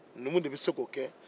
numu de bɛ se k'o kɛ